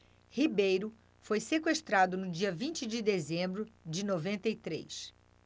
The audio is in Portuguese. ribeiro foi sequestrado no dia vinte de dezembro de noventa e três